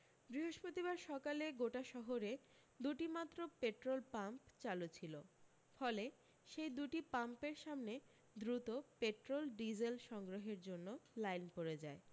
বৃহস্পতিবার সকালে গোটা শহরে দু টি মাত্র পেট্রোল পাম্প চালু ছিল ফলে সেই দু টি পাম্পের সামনে দ্রুত পেট্রোল ডিজেল সংগ্রহের জন্য লাইন পড়ে যায়